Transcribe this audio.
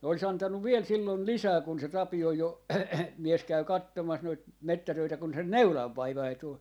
ne olisi antanut vielä silloin lisää kun se Tapion jo mies kävi katsomassa noita metsätöitä kun sen neulanvaivainen tuli